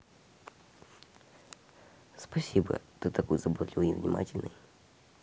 спасибо ты такой заботливый и внимательный